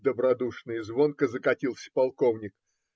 - добродушно и звонко закатился полковник